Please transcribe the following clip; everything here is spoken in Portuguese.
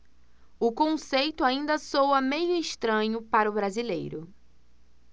o conceito ainda soa meio estranho para o brasileiro